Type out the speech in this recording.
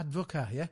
Advoca, ie?